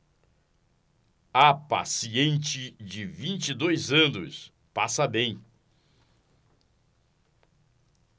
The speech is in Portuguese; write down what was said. a paciente de vinte e dois anos passa bem